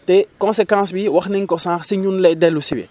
te conséquence bi wax nañ ko sànq si ñun lay dellu si bi